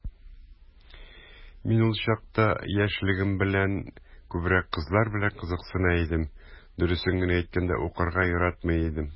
Мин ул чакта, яшьлегем белән, күбрәк кызлар белән кызыксына идем, дөресен генә әйткәндә, укырга яратмый идем...